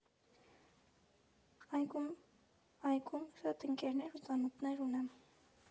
Այգում շատ ընկերներ ու ծանոթներ ունեմ։